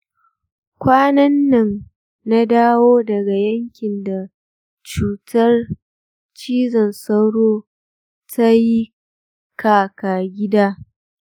kwanan nan na dawo daga yankin da cutar cizon sauro ta yi kaka-gida.